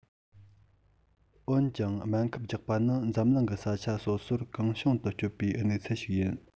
འོན ཀྱང སྨན ཁབ རྒྱག པ ནི འཛམ གླིང གི ས ཆ སོ སོར གང བྱུང དུ སྤྱོད པའི སྣང ཚུལ ཞིག ཡིན